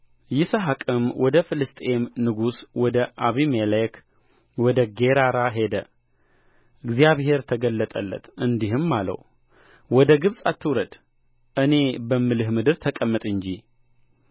ይስሐቅም ወደ ፍልስጥኤም ንጉሥ ወደ አቢሜሌክ ወደ ጌራራ ሄደ እግዚአብሔር ተገለጠለት እንዲህም አለው ወደ ግብፅ አትውረድ እኔ በምልህ ምድር ተቀመጥ እንጂ